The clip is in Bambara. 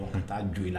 Ka taa jo la